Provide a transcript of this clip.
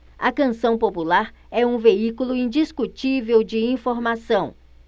a canção popular é um veículo indiscutível de informação